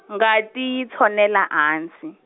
ngati yi tshonela a hansi.